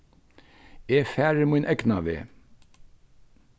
eg fari mín egna veg